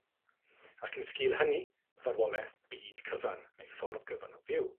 Ac yn sgil hynny farwoleth byd cyfan neu ffordd gyfan o fyw.